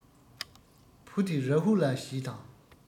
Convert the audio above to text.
བུ ནི རཱ ཧུ ལ ཞེས དང